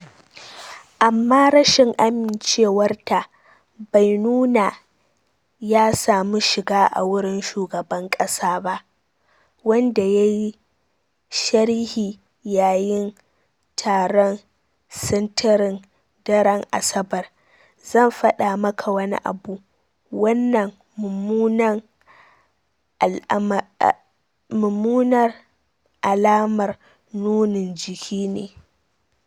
Amma rashin amincewarta bai nuna ya samu shiga a wurin shugaban kasa ba, wanda ya yi sharhi yayin taron sintirin daren Asabar: “Zan fada maka wani abu, Wannan mummunan alamar nunin jiki ne.